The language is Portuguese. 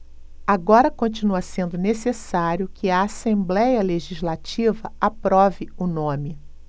agora continua sendo necessário que a assembléia legislativa aprove o nome